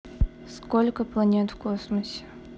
сколько планет в космосе